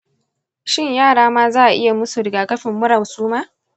shin yara ma za'a iya musu rigakafin mura suma?